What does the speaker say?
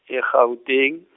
e- Gauteng.